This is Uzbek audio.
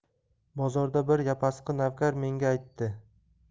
bozorda bir yapasqi navkar menga aytdi